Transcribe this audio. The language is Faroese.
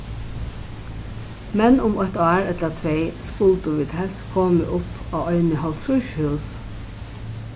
men um eitt ár ella tvey skuldu vit helst komið upp á eini hálvtrýss hús